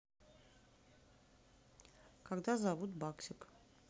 когда зовут баксик